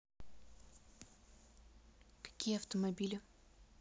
какие автомобили